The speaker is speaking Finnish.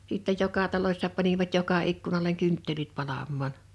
sitten joka talossa panivat joka ikkunalle kynttilät palamaan